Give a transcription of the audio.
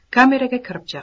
kameraga kirib chiq